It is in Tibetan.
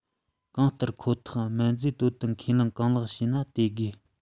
གང ལྟར ཁོ ཐག སྨན རྫས དོ དམ ཁེ ལས གང ལགས ཤེ ན དེས དགོས